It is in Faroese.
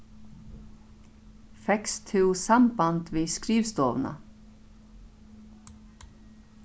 fekst tú samband við skrivstovuna